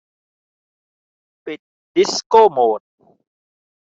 ปิดดิสโก้โหมด